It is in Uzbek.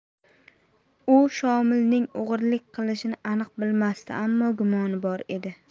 u shomilning o'g'irlik qilishini aniq bilmasdi ammo gumoni bor edi